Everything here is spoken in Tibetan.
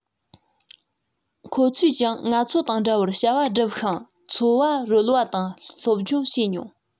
ཁོ ཚོས ཀྱང ང ཚོ དང འདྲ བར བྱ བ བསྒྲུབས ཤིང འཚོ བ རོལ བ དང སློབ སྦྱོང བྱས མྱོང